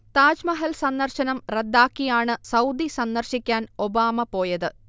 താജ്മഹൽ സന്ദർശനം റദ്ദാക്കിയാണ് സൗദി സന്ദർശിക്കാൻ ഒബാമ പോയത്